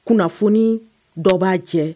Kunnafoni dɔ b'a jɛ